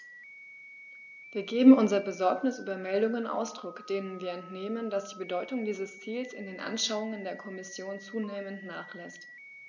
Wir geben unserer Besorgnis über Meldungen Ausdruck, denen wir entnehmen, dass die Bedeutung dieses Ziels in den Anschauungen der Kommission zunehmend nachlässt.